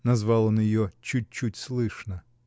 — назвал он ее чуть-чуть слышно.